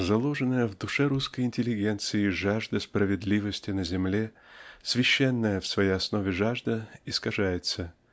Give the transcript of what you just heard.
Заложенная в душе русской интеллигенции жажда справедливости на земле священная в своей основе жажда искажается.